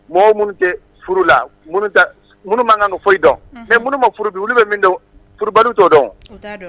Mɔgɔ minnu tɛ furu la, minnu tɛ minnu ma kan ni fosi dɔn, mais minnu ma furu dun olu bɛ min dɔn furu baliw t'o dɔn o.